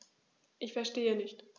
Ich verstehe nicht.